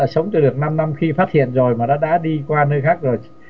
sống được năm năm khi phát hiện rồi mà nó đã đi qua nơi khác rồi